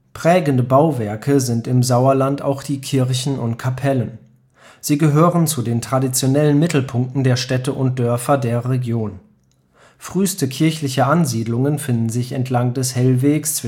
Prägende Bauwerke sind im Sauerland auch die Kirchen und Kapellen. Sie gehören zu den traditionellen Mittelpunkten der Städte und Dörfer der Region. Früheste kirchliche Ansiedlungen finden sich entlang des Hellwegs